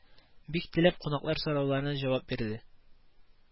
Бик теләп кунаклар сорауларына җавап бирде